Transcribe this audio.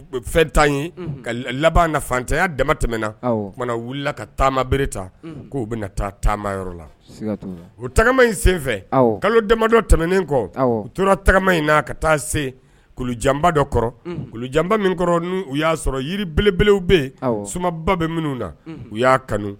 Fɛn ye laban na fantanya dama tɛmɛnaumana wulila ka taama bere ta k'o bɛ taa taamayɔrɔ la o tagama in senfɛ kalo damadɔ tɛmɛnen kɔ u tora tagama in na ka taa senjanba dɔ kɔrɔ kulujanba min kɔrɔ u y'a sɔrɔ yiribelebelew bɛ yen sumanba bɛ minnu na u y'a kanu